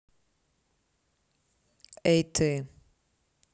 эй ты